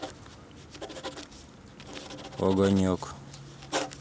огонек